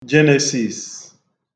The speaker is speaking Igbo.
Jenesìs